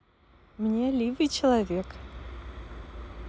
мне ливый человек